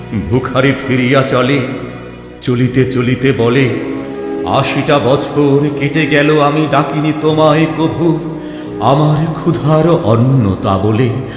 ভুখারী ফিরিয়া চলে চলিতে চলিতে বলে আশিটা বছর কেটে গেল আমি ডাকিনি তোমায় কভু আমার ক্ষুধার অন্ন তা বলে